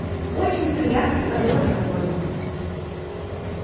очень приятно с тобой познакомиться